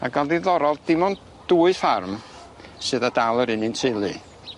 Ag o'n ddiddorol dim ond dwy ffarm sydd â dal yr un un teulu.